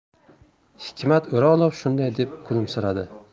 hikmat o'rolov shunday deb kulimsiradi